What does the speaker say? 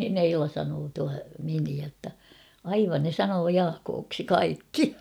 niin Eila sanoo tuo miniä jotta aivan ne sanoo Jaakoksi kaikki